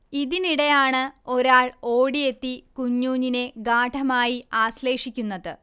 ഇതിനിടെയാണ് ഒരാൾ ഓടിയെത്തി കുഞ്ഞൂഞ്ഞിനെ ഗാഢമായി ആശ്ളേഷിക്കുന്നത്